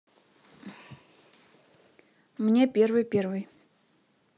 мне первый первый